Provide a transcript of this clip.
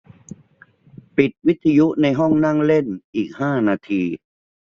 ปิดวิทยุในห้องนั่งเล่นอีกห้านาที